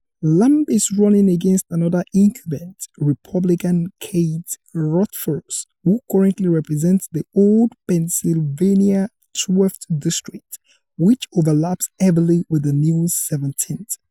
Lamb is running against another incumbent, Republican Keith Rothfus, who currently represents the old Pennsylvania 12th district, which overlaps heavily with the new 17th.